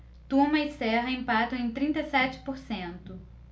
tuma e serra empatam em trinta e sete por cento